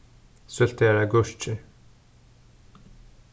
súltaðar agurkir